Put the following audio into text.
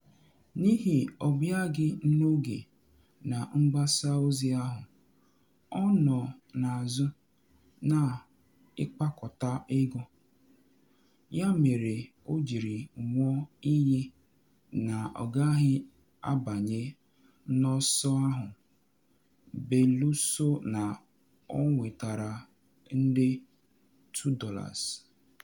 N’ihi ọ bịaghị n’oge na mgbasa ozi ahụ, ọ nọ n’azụ na ịkpakọta ego, ya mere o jiri nwụọ iyi na ọ gaghị abanye n’ọsọ ahụ belụsọ na ọ nwetara nde $2.